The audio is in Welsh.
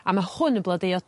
A ma' hwn yn blodeuo